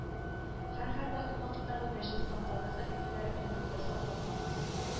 Әрхәлдә ул вакыттагы мәҗлес-тантана сәхифәләре күңелендә сакланмаган